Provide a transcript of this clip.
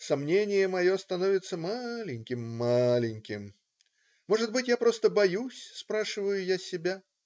Сомненье мое становится маленьким, маленьким. Может быть, я просто "боюсь"? - спрашиваю я себя.